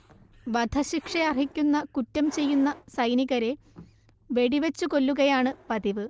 വധശിക്ഷയർഹിക്കുന്ന കുറ്റം ചെയ്യുന്ന സൈനികരെ വെടിവച്ച് കൊല്ലുകയാണ് പതിവ്